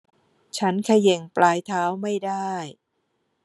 ฉันเขย่งปลายเท้าไม่ได้